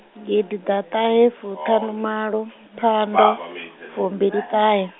gidiḓaṱahefuṱhanumalo, phando, fumbiliṱahe.